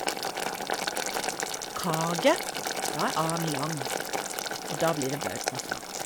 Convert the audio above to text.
Kage, da er a-en lang, og da blir det blaut konsonant.